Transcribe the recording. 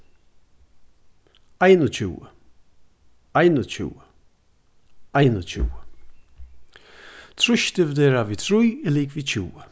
einogtjúgu einogtjúgu einogtjúgu trýss dividerað við trý er ligvið tjúgu